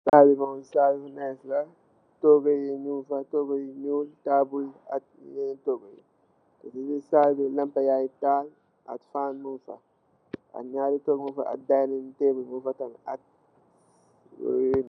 Saal bi mom saal bu naayis la, toogu yi ñung fa, toogu yu ñuul taabul ak yenen toogu yi. Si bii Saal bt lampa yaa ngi taal, ak faan mung fa, ak daayining tëëbul mung fa tamit.